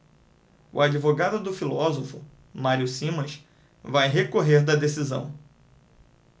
o advogado do filósofo mário simas vai recorrer da decisão